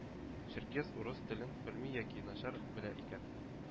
Черкес урыс телен белми яки начар белә икән,